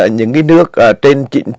những cái nước ờ trên chín